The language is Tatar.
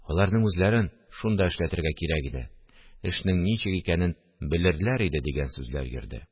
– аларның үзләрен шунда эшләтергә кирәк иде, эшнең ничек икәнен белерләр иде, – дигән сүзләр йөрде